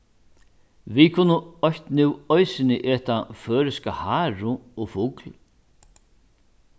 vit kunnu eitt nú eisini eta føroyska haru og fugl